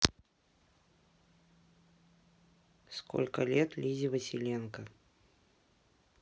сколько лет лизе василенко